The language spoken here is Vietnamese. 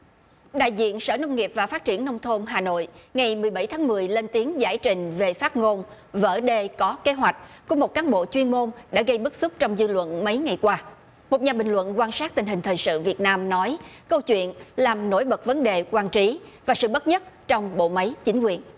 đại diện sở nông nghiệp và phát triển nông thôn hà nội ngày mười bảy tháng mười lên tiếng giải trình về phát ngôn vỡ đê có kế hoạch của một cán bộ chuyên môn đã gây bức xúc trong dư luận mấy ngày qua một nhà bình luận quan sát tình hình thời sự việt nam nói câu chuyện làm nổi bật vấn đề quan trí và sự bất nhất trong bộ máy chính quyền